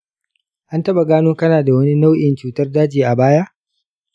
an taɓa gano kana da wani nau’in cutar daji a baya?